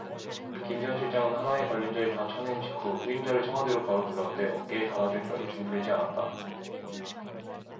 김 전 실장은 하나회 관련자를 다 쳐낸 직후 후임자를 청와대로 바로 불렀는데 어깨에 달아줄 별이 준비되지 않았다